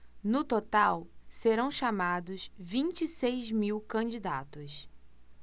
no total serão chamados vinte e seis mil candidatos